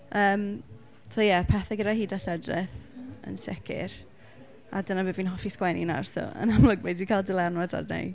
yym so ie pethe gyda hud â lledrith yn sicr. A dyna be fi'n hoffi sgwennu nawr so yn amlwg mae 'di cael dylanwad arna i.